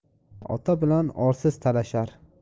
ota bilan orsiz talashar